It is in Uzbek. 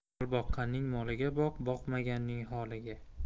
mol boqqanning moliga boq boqmaganning holiga